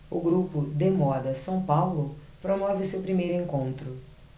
o grupo de moda são paulo promove o seu primeiro encontro